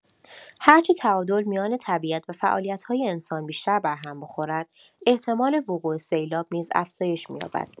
هرچه تعادل میان طبیعت و فعالیت‌های انسان بیشتر برهم بخورد، احتمال وقوع سیلاب نیز افزایش می‌یابد.